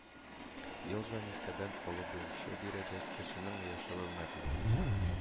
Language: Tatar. Ел җанисәбен алу буенча биредә кешенең яшәве мәгълүм